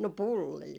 no pullia